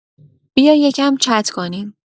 بیا یکم چت کنیم